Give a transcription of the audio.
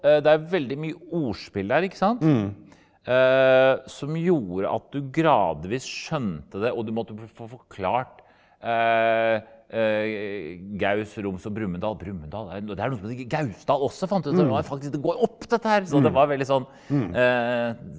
det er veldig mye ordspill der ikke sant som gjorde at du gradvis skjønte det og du måtte få forklart Gaus, Roms og Brumund Dal Brumunddal det er noe det er noe som heter Gausdal også fant vi ut og det var jo faktisk det går opp dette her så det var veldig sånn .